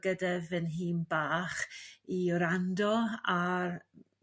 gyda fy nhîm bach i wrando ar